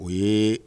O ye